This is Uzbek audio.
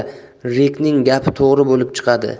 bo'lsa rekning gapi to'g'ri bo'lib chiqadi